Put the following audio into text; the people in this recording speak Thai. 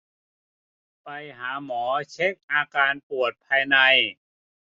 ไปหาหมอเช็คอาการปวดภายใน